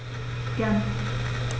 Gern.